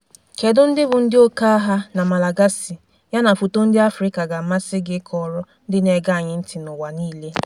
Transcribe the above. FN: Kedu ndị bụ ndị okeaha na Malagasy yana foto ndị Afrịka ga-amasị gị ịkọrọ ndị na-ege anyị ntị n'ụwa niile?